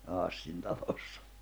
siinä Hassin talossa